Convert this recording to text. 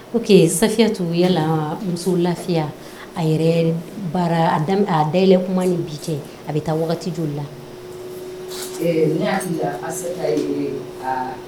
Ok Safiyatu yala muso lafia a yɛrɛ baara a da yɛlɛn tuma ni bi cɛ a bɛ taga waati joli la? Ɛ ne hakili la a